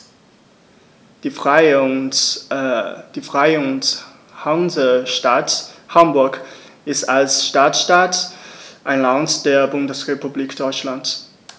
Die Freie und Hansestadt Hamburg ist als Stadtstaat ein Land der Bundesrepublik Deutschland.